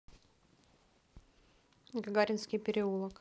гагаринский переулок